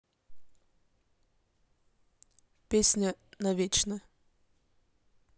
песня навечно